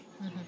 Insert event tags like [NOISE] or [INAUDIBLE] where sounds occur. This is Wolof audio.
[HESITATION] [HESITATION]